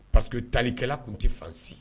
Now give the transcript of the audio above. Paseke talikɛla tun tɛ fansi